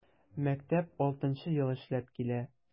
Мәктәп 6 нчы ел эшләп килә.